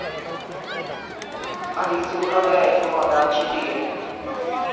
алиса управляет влада а четыре